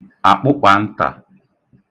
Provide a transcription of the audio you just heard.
àkpụkpàntà